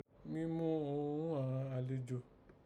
Mí mú ghún àghan àlejò